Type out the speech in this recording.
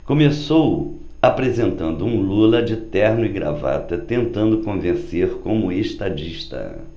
começou apresentando um lula de terno e gravata tentando convencer como estadista